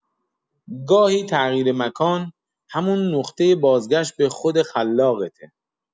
گاهی تغییر مکان، همون نقطۀ بازگشت به خود خلاقته.